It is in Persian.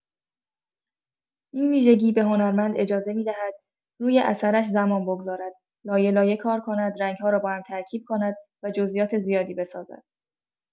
این ویژگی به هنرمند اجازه می‌دهد روی اثرش زمان بگذارد، لایه‌لایه کار کند، رنگ‌ها را با هم ترکیب کند و جزئیات زیادی بسازد.